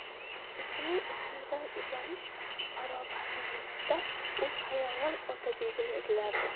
o'zining ismidan uyalish barobarinda u xayolan otabegini izlardi